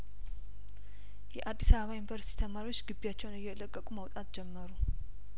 የአዲስ አበባ ዩኒቨርስቲ ተማሪዎች ግቢያቸውን እየለቀቁ መውጣት ጀመሩ